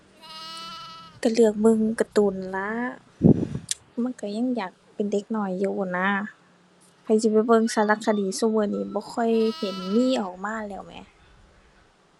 ก็เลือกเบิ่งการ์ตูนนั้นล่ะ มันก็ยังอยากเป็นเด็กน้อยอยู่นั่นนะ ไผสิไปเบิ่งสารคดี ซุมื้อนี้บ่ค่อยเห็นมีออกมาแล้วแหมะ